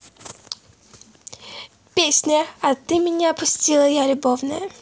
песня а ты меня пустила я любовная